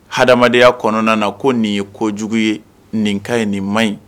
Ha adamadenyaya kɔnɔna na ko nin ye ko jugu ye nin ka ye nin man ɲi